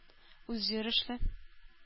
Үзйөрешле